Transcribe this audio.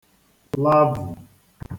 lavù